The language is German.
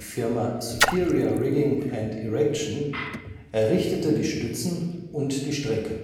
Firma Superior Rigging & Erection errichtete die Stützen und die Strecke.